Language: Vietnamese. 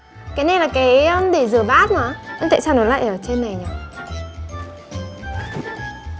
cái này là cái để rửa bát mà nhưng tại sao nó lại ở trên này nhở